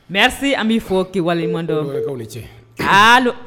Mɛ se an bɛ fɔ kiba waleɲumandɔn cɛ kalo